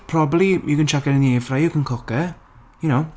Probably you can chuck it in the airfryer you can cook it. You know.